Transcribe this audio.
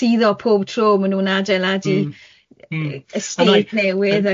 suddo pob tro ma' nhw'n adeiladu...Mm, mm... estate newydd.